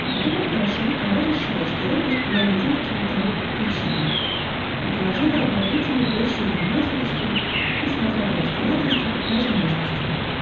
Подумав хорошенько, она решила, что робость была единственной тому причиною, и положила ободрить его большею внимательностию и, смотря по обстоятельствам, даже нежностию.